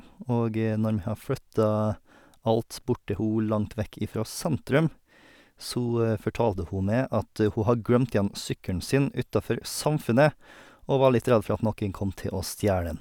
Og når vi har flytta alt bort til ho langt vekk ifra sentrum, så fortalte hun meg at hun har glemt igjen sykkelen sin utafor Samfundet, og var litt redd for at noen kom til å stjele den.